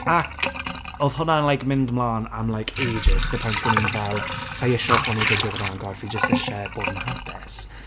Ac, odd hwnna'n like mynd 'mlan am, like, ages, to the point lle o'n i'n fel, sa'i isie hwn i ddigwydd ragor, fi jyst isie, bod yn hapus.